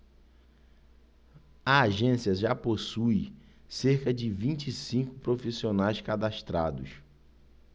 a agência já possui cerca de vinte e cinco profissionais cadastrados